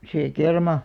se kerma